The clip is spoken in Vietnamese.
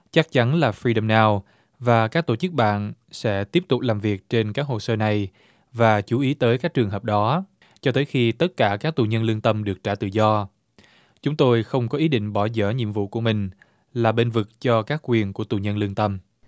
chắc chắn là phi đầm nao và các tổ chức bạn sẽ tiếp tục làm việc trên các hồ sơ này và chú ý tới các trường hợp đó cho tới khi tất cả các tù nhân lương tâm được trả tự do chúng tôi không có ý định bỏ dở nhiệm vụ của mình là bênh vực cho các quyền của tù nhân lương tâm